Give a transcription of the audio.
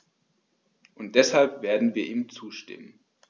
Und deshalb werden wir ihm zustimmen.